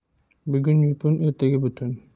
bugun yupun ertaga butun